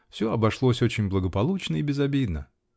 Все обошлось очень благополучно и безобидно.